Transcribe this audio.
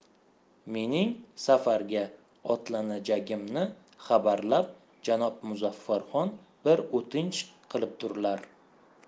mening safarga otlanajagimni xabarlab janob muzaffarxon bir o'tinch qilibdurlar